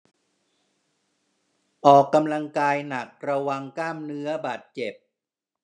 ออกกำลังกายหนักระวังกล้ามเนื้อบาดเจ็บ